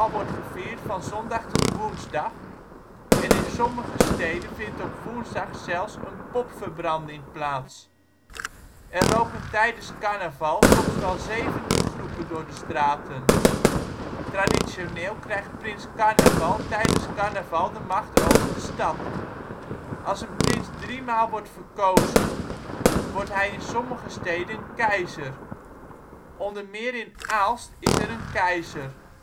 wordt gevierd van zondag tot woensdag, en in sommige steden vindt op woensdag zelfs een ' popverbranding ' plaats. Er lopen tijdens carnaval soms wel 70 groepen door de straten. Traditioneel krijgt Prins carnaval tijdens carnaval de macht over de stad. Als een prins driemaal wordt verkozen, wordt hij in sommige steden keizer. Onder meer in Aalst is er een keizer